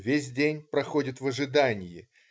Весь день проходит в ожиданьи.